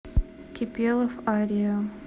кипелов ария